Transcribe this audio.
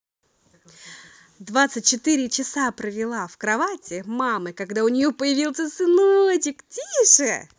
двадцать четыре часа провела в кровати мамы когда у нее появился сыночек тише